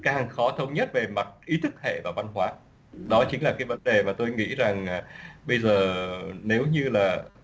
càng khó thống nhất về mặt ý thức hệ và văn hóa đó chính là cái vấn đề và tôi nghĩ rằng bây giờ nếu như là